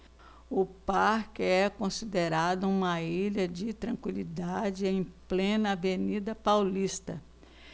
o parque é considerado uma ilha de tranquilidade em plena avenida paulista